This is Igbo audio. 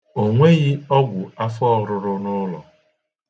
Ọ nweghị ọgwụ afọ ọrụrụ n'ụlọ.